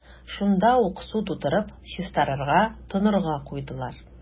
Шунда ук су тутырып, чистарырга – тонарга куйдылар.